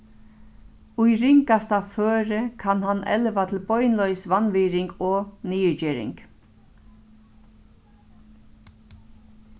í ringasta føri kann hann elva til beinleiðis vanvirðing og niðurgering